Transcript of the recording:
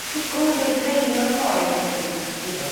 Rhigwm yn deud rhei o'r coed fedrwch chi brysgwyddo.